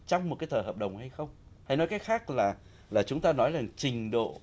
trong một cái tờ hợp đồng hay không hay nói cách khác là là chúng ta nói là trình độ